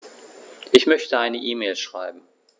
Ich möchte eine E-Mail schreiben.